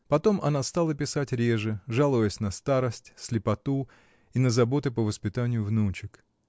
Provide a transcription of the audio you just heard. Потом она стала писать реже, жалуясь на старость, слепоту и на заботы по воспитанию внучек.